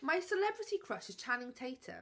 My celebrity crush is Channing Tatum.